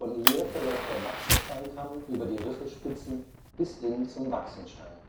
hier verläuft der Waxensteinkamm über die Riffelspitzen bis hin zum Waxenstein